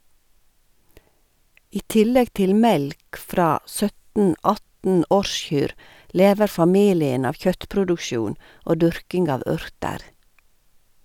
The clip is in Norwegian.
I tillegg til melk fra 17- 18 årskyr, lever familien av kjøttproduksjon og dyrking av urter.